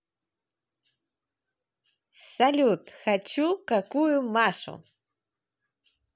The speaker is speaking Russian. салют хочу какую машу